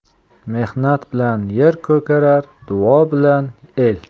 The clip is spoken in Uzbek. mehnat bilan yer ko'karar duo bilan el